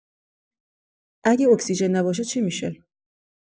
اگه اکسیژن نباشه چی می‌شه؟